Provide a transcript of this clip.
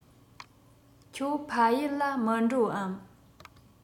ཁྱོད ཕ ཡུལ ལ མི འགྲོ འམ